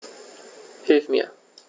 Hilf mir!